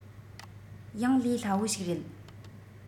ཡང ལས སླ བོ ཞིག རེད